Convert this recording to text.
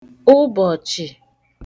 ụbọ̀chị̀